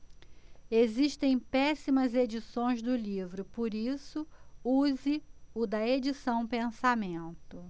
existem péssimas edições do livro por isso use o da edição pensamento